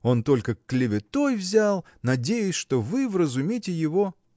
он только клеветой взял; надеюсь, что вы вразумите его.